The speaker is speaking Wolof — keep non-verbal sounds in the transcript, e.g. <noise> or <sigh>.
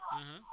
<noise> <hesitation> <hesitation>